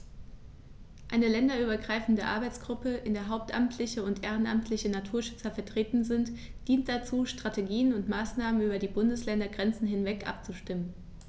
Eine länderübergreifende Arbeitsgruppe, in der hauptamtliche und ehrenamtliche Naturschützer vertreten sind, dient dazu, Strategien und Maßnahmen über die Bundesländergrenzen hinweg abzustimmen.